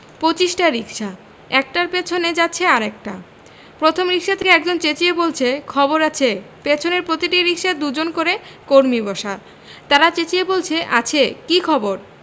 পঁচিশটা রিকশা একটার পেছনে যাচ্ছে আর একটা প্রথম রিকশা থেকে একজন চেঁচিয়ে বলছে খবর আছে পেছনের প্রতিটি রিকশায় দু জন করে কর্মী বসা তাঁরা চেঁচিয়ে বলছে আছে কি খবর